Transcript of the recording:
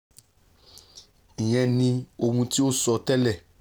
Ìyẹn ni ohun tí ó ṣẹlẹ̵̀.